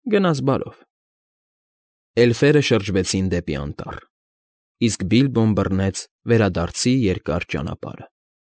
Գնաս բարով… Էլֆերը շրջվեցին դեպի անտառ, իսկ Բիլբոն բռնեց վերադարձի երկար ճանապարհը։